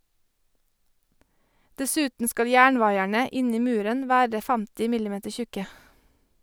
Dessuten skal jernvaierne inni muren være 50 mm tjukke.